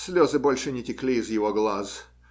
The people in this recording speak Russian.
Слезы больше не текли из его глаз.